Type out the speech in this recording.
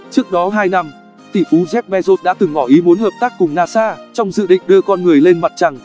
trước đó năm tỷ phú jeff bezos đã từng ngỏ ý muốn hợp tác cùng nasa trong dự định đưa con người lên mặt trăng